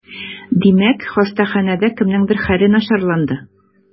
Димәк, хастаханәдә кемнеңдер хәле начарланды?